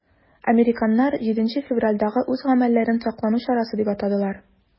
Американнар 7 февральдәге үз гамәлләрен саклану чарасы дип атадылар.